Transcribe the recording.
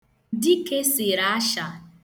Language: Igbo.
Dike sere asha.